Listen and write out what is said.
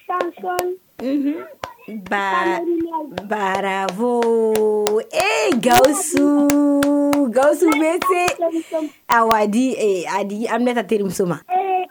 San ba baraugu ee gasu gassu bɛ se a di di an bɛna ka terimuso ma